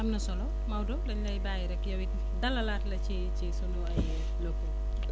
am na solo Maodo dañu lay bàyyi rek yow it dalalaat la ci ci sunu ay locaux